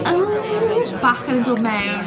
O! Bachgen yn dod mewn.